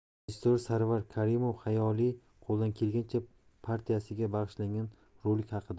rejissor sarvar karimov xayoliy qo'ldan kelgancha partiyasiga bag'ishlangan rolik haqida